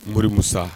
Mori Musa